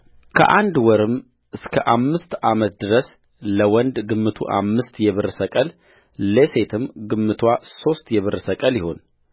ከአንድ ወርም እስከ አምስት ዓመት ድረስ ለወንድ ግምቱ አምስት የብር ሰቅል ለሴትም ግምትዋ ሦስት የብር ሰቅል ይሁን